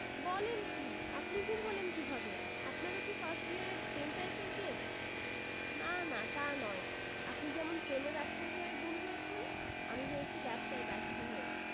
বলেন কী আপনি গুম হলেন কীভাবে আপনারও কি ফার্স্ট ইয়ারের প্রেমটাইপের কেস না না তা নয় আপনি যেমন প্রেমে ব্যর্থ হয়ে গুম হয়েছেন আমি হয়েছি ব্যবসায় ব্যর্থ হয়ে